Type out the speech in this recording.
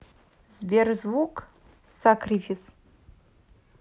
сберзвук сакрифис